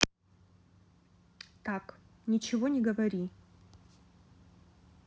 так ничего не говори